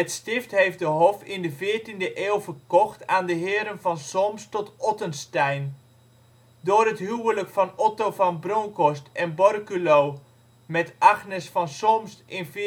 Stift heeft de Hof in de 14e eeuw verkocht aan de heren van Solms tot Ottenstein. Door het huwelijk van Otto van Bronckhorst en Borculo met Agnes van Solms in 1418